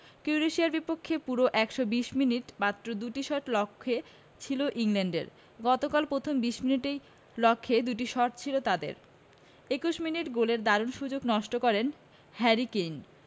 ক্রোয়েশিয়ার বিপক্ষে পুরো ১২০ মিনিটে মাত্র দুটি শট লক্ষ্যে ছিল ইংল্যান্ডের গতকাল প্রথম ২০ মিনিটেই লক্ষ্যে দুটো শট ছিল তাদের ২১ মিনিটে গোলের দারুণ সুযোগ নষ্ট করেন হ্যারি কেইন